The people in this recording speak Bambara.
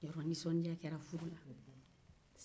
i y'a dɔn nisɔndiya kɛra furu la